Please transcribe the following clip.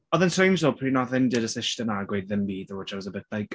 Oedd e'n strange though pryd wnaeth India just ishte 'na a gweud ddim byd ddo which I was a bit like...